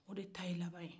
o de ta ye laban ye